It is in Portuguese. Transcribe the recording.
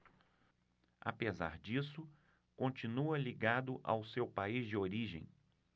apesar disso continua ligado ao seu país de origem